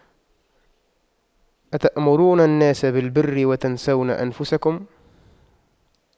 أَتَأمُرُونَ النَّاسَ بِالبِرِّ وَتَنسَونَ أَنفُسَكُم